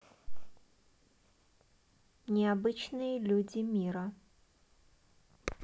необычные люди мира